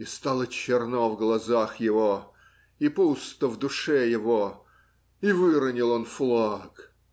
" И стало черно в глазах его и пусто в душе его, и выронил он флаг.